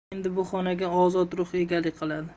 endi bu xonaga ozod ruh egalik qiladi